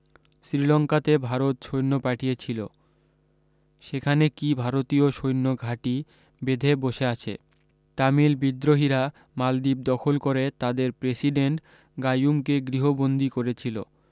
শ্রীলংকাতে ভারত সৈন্য পাঠিয়ে ছিলো সেখানে কী ভারতীয় সৈন্য ঘাটি বেধে বসে আছে তামিল বিদ্রোহীরা মালদ্বীপ দখল করে তাদের প্রেসিডেন্ট গাইয়ুম কে গৃহ বন্দি করে ছিলো